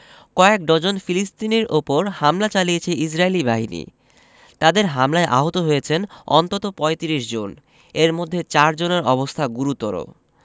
কয়েক ডজন ফিলিস্তিনির ওপর হামলা চালিয়েছে ইসরাইলি বাহিনী তাদের হামলায় আহত হয়েছেন অন্তত ৩৫ জন এর মধ্যে চার জনের অবস্থা গুরুত্বর